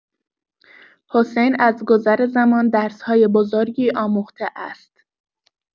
حسین از گذر زمان درس‌های بزرگی آموخته است.